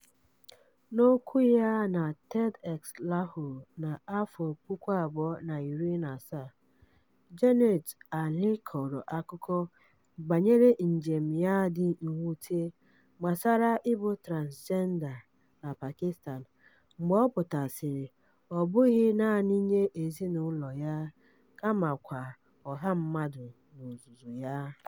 N'okwu ya na TEDxLahore n'afọ 2017, Jannat Ali kọrọ akụkọ banyere njem ya dị mwute gbasara ịbụ transịjenda na Pakistan mgbe ọ pụtasịrị ọ bụlaghị naanị nye ezinụlọ ya kamakwa ọha mmadụ n'ozuzu ya.